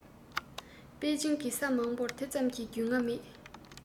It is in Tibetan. པེ ཅིང གི ས མང པོར དེ ཙམ གྱི རྒྱུས མངའ མེད